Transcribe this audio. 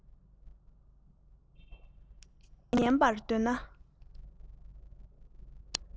རོལ དབྱངས ཉན པར འདོད ན